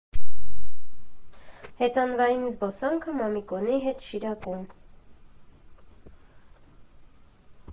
Հեծանվային զբոսանք Մամիկոնի հետ Շիրակում։